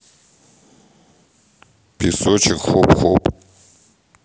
песочек хоп хоп